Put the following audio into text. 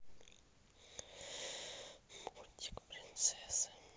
мультик принцессы